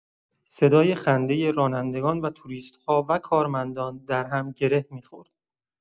صدای خنده رانندگان و توریست‌ها و کارمندان در هم گره می‌خورد.